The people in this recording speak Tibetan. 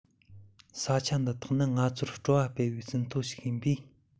ས ཆ འདི དག ནི ང ཚོར སྤྲོ བ སྤེལ བའི ཟིན ཐོ ཞིག ཡིན པས